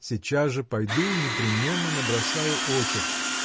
— Сейчас же пойду, непременно набросаю очерк.